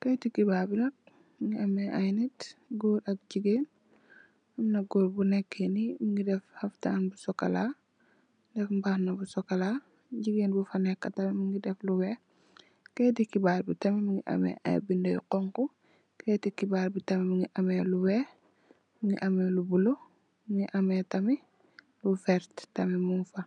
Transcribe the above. kayiti xibaar bi nak mu ngi am ñaari nit, góor ak jigéen, am na góor bu neekë nii, mu ngi def xaftaan bu sokolaa, mbaxana bu sokolaa, jigéen ... kayiti xibaar bi... bindë yu xoñxu, kayiti xibaar bi tam, mu ngi amee lu weex, mu ngi amee lu bulo, mu amee tamit lu werta